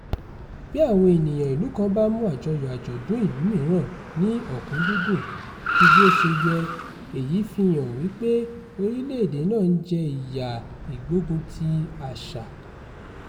Bí àwọn ènìyàn ìlú kan bá mú àjọyọ̀ àjọ̀dún ìlú mìíràn ní òkúnkúndùn ju bí ó ṣe yẹ, èyí fi hàn wípé orílẹ̀-èdè náà ń jẹ ìyà ìgbógunti àṣà.